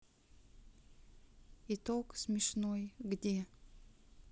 итог смешной где